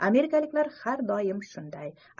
amerikaliklar har doim shunday